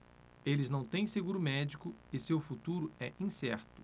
eles não têm seguro médico e seu futuro é incerto